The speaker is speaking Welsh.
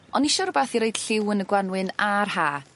O'n i isio rwbath i roid lliw yn y Gwanwyn ar Ha'.